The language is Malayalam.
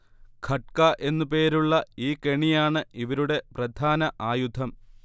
'ഖട്ക' എന്നു പേരുള്ള ഈ കെണിയാണ് ഇവരുടെ പ്രധാന ആയുധം